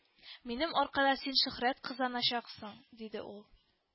Минем аркада син шөһрәт казаначаксың, – диде ул